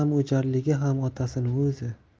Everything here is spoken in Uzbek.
o'jarligi ham otasini o'zi